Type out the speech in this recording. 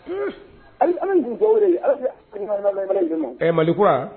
Ayi! An bɛ jɛn ka duwawu de kɛ, Ala ka . Ɛɛ Mali kura?